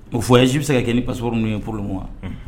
O f ye ji bɛ se ka kɛ ni passɔrɔr ninnu' ye furu ma wa